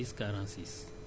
413